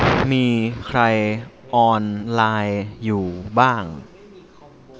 มีใครออนไลน์อยู่บ้าง